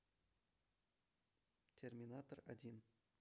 терминатор один